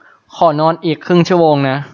ขอนอนอีกครึ่งชั่วโมงนะ